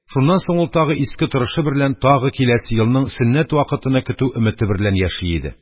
Шуннан соң ул тагы иске торышы берлән, тагы киләсе елның сөннәт вакытыны көтү өмете берлән яши иде.